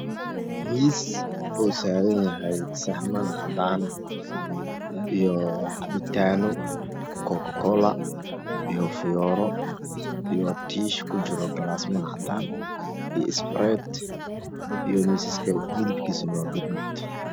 Halkan waa yalo mis iyo kurasman kalar kode waa madow iyo gadud mis wax saran saxaman oo cadan ah iyo biyo cafi iyo qado iyo fiyoro iyo tiish